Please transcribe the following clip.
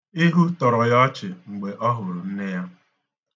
Ihu tọrọ ya ọchị mgbe ọ hụrụ nne ya.